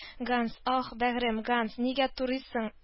Ганс, ах, бәгырем Ганс. Нигә турыйсың